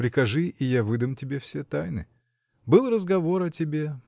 Прикажи — и я выдам тебе все тайны. Был разговор о тебе.